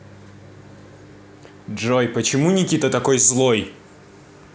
джой почему никита такой злой